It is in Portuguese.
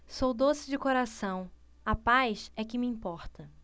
sou doce de coração a paz é que me importa